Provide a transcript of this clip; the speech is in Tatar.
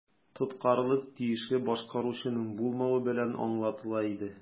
Тоткарлык тиешле башкаручының булмавы белән аңлатыла иде.